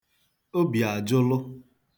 obìàjụlụ